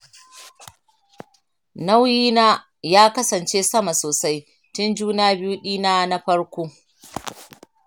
nauyi na ya kasance sama sosai tun juna-biyu ɗina na farko